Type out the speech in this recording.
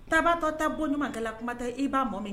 Tabatɔ ta bon ɲamakala kuma ta i b'a mɔ min